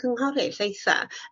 ...cynghorydd lleitha